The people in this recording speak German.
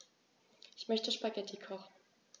Ich möchte Spaghetti kochen.